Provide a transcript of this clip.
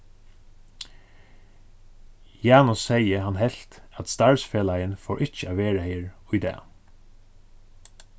janus segði hann helt at starvsfelagin fór ikki at verða her í dag